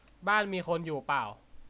บ้านมีคนอยู่เปล่า